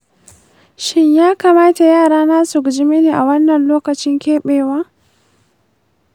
shin ya kamata yarana su guje mini a lokacin keɓewa?